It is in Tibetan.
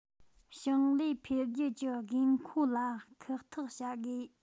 ཞིང ལས འཕེལ རྒྱས ཀྱི དགོས མཁོ དངོས ལ ཁག ཐེག བྱ དགོས